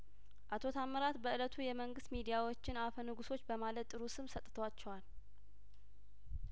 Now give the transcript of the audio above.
አቶ ታምራት በእለቱ የመንግስት ሚዲያዎችን አፈንጉሶች በማለት ጥሩ ስም ሰጥቷቸዋል